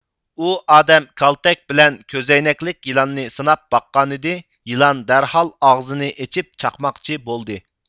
ئۇ ئادەم كالتەك بىلەن كۆزەينەكلىك يىلاننى سىناپ باققانىدى يىلان دەرھال ئاغزىنى ئېچىپ چاقماقچى بولدى